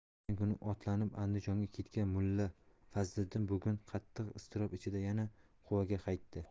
o'tgan kuni otlanib andijonga ketgan mulla fazliddin bugun qattiq iztirob ichida yana quvaga qaytdi